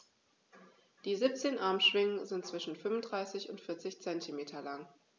Die 17 Armschwingen sind zwischen 35 und 40 cm lang.